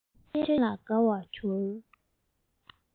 འཆར ཡན ལ དགའ བར གྱུར